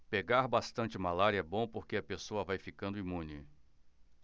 pegar bastante malária é bom porque a pessoa vai ficando imune